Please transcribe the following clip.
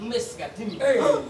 N bɛigati min ye